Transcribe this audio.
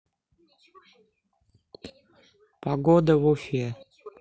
погода в уфе